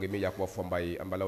'a ko fɔ nba ye